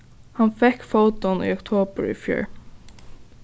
hann fekk fótin í oktobur í fjør